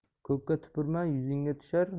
ko'kka tupurma yuzingga tushar